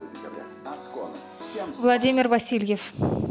владимир васильев